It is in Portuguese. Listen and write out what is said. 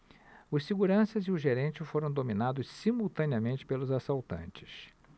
os seguranças e o gerente foram dominados simultaneamente pelos assaltantes